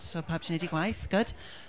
So pawb 'di wneud eu gwaith? Good!